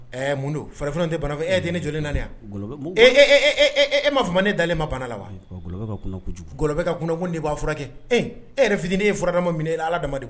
Mun don faraf tɛ ban fɔ e den ne jɔ nana yan e m maa fɔ ne dalen ma banna la walɔ ka kunkun nin b'a furakɛ kɛ e e yɛrɛfitinin ye furadamama minɛ aladama